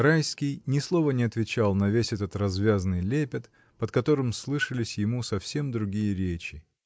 Райский ни слова не отвечал на весь этот развязный лепет, под которым слышались ему совсем другие речи.